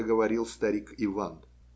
Это говорил старик Иван.